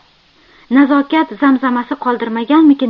nazokat zamzamasi qoldirmaganmikan